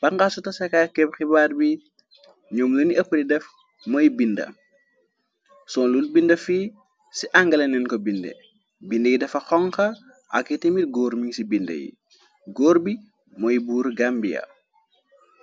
banxaasu tasakaay keb xibaar bi ñoom luni ëpp di def mooy binda soon lul binda fi ci angalaneen ko binde bind yi dafa xonxa ak yitemir goor ming ci binde yi góor bi mooy buur gambia.